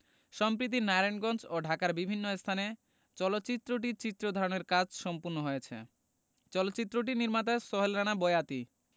সম্প্রিতি নারায়ণগঞ্জ ও ঢাকার বিভিন্ন স্থানে চলচ্চিত্রটির চিত্র ধারণের কাজ সম্পন্ন হয়েছে চলচ্চিত্রটির নির্মাতা সোহেল রানা বয়াতি